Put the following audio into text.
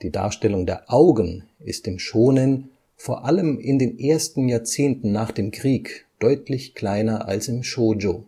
Darstellung der Augen ist im Shōnen, vor allem in den ersten Jahrzehnten nach dem Krieg, deutlich kleiner als im Shōjo